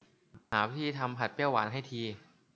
หาวิธีทำผัดเปรี้ยวหวานให้ที